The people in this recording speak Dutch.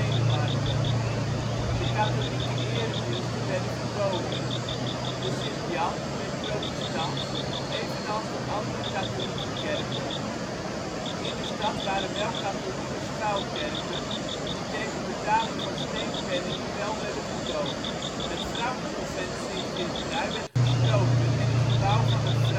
Denemarken. De katholieke erediensten werden verboden. De Sint-Jan werd protestants, evenals de andere katholieke kerken. In de stad waren wel katholieke schuilkerken, die tegen betaling van steekpenningen wel werden gedoogd. Het Vrouwenconvent Sint Geertrui werd gesloten en het gebouw van het